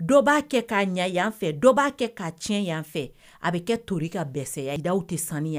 Dɔw b'a kɛ k'a ɲɛ fɛ dɔw b'a kɛ k'a tiɲɛ yan fɛ a bɛ kɛ to i ka dɛsɛsɛya da tɛ sanuya